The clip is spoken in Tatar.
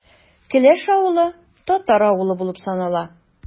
Келәш авылы – татар авылы булып санала.